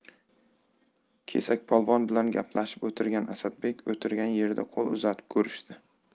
kesakpolvon bilan gaplashib o'tirgan asadbek o'tirgan yerida qo'l uzatib ko'rishdi